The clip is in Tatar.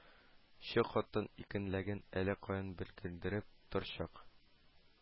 Чы хатын икәнлеген әллә каян белгертеп торачак